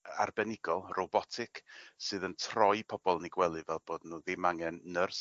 a- arbenigol robotic sydd yn troi pobol yn 'u gwely fel bod n'w ddim angen nyrs